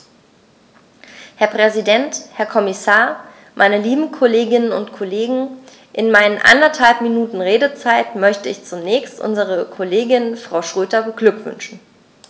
Herr Präsident, Herr Kommissar, meine lieben Kolleginnen und Kollegen, in meinen anderthalb Minuten Redezeit möchte ich zunächst unsere Kollegin Frau Schroedter beglückwünschen.